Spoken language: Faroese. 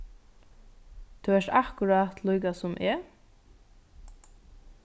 tú ert akkurát líka sum eg